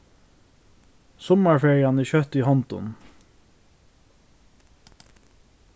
summarferian er skjótt í hondum